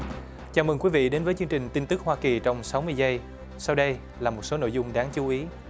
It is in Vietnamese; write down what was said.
chào mừng quý vị đến với chương trình tin tức hoa kỳ trong sáu mươi giây sau đây là một số nội dung đáng chú ý